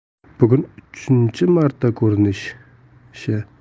bugun uchinchi marta ko'rinishi